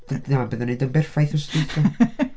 Dyma be oedd yn wneud o'n berffaith wythnos dwytha.